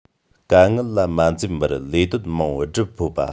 དཀའ ངལ ལ མ འཛེམས པར ལས དོན མང པོ སྒྲུབ ཕོད པ